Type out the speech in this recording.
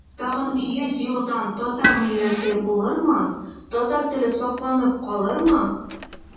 Тагын йөз елдан татар милләте булырмы, татар теле сакланып калырмы?